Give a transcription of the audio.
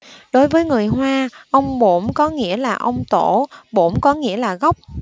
đối với người hoa ông bổn có nghĩa là ông tổ bổn có nghĩa là gốc